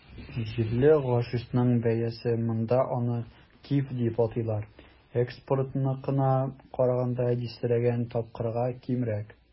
Җирле гашишның бәясе - монда аны "киф" дип атыйлар - экспортныкына караганда дистәләгән тапкырга кимрәк.